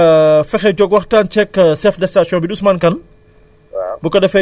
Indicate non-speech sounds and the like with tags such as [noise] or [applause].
kooku danañ ci [hesitation] fexe jóg waxtaan ceeg chef de station bi di Ousmane Kane